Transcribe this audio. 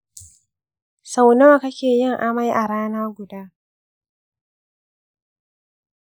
sau nawa kake yin amai a rana guda?